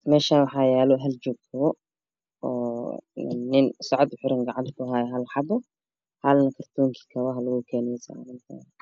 Meshaan waxaa yala haljoog kabo oo nin sacd uxiran gacanta ku haayo halna kortoonka kapaha lgu Keena bey sarantahy